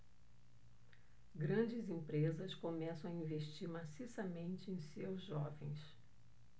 grandes empresas começam a investir maciçamente em seus jovens